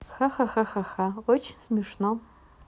ха ха ха ха ха очень смешно